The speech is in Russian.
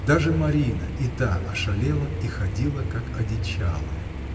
Даже Марина, и та ошалела и ходила как одичалая.